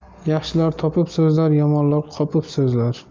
yaxshilar topib so'zlar yomonlar qopib so'zlar